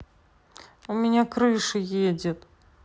у меня крыша едет